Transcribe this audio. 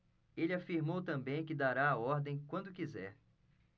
ele afirmou também que dará a ordem quando quiser